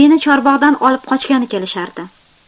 meni chorbog'dan olib qochgani kelishardi